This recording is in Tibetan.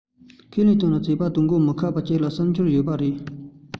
ཁས ལེན བཏོན ནས བྱེད པའི དུས འགོར མི ཁག གཅིག ལ བསམ འཆར ཡོད པ རེད